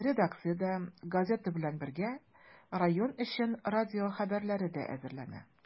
Редакциядә, газета белән бергә, район өчен радио хәбәрләре дә әзерләнә.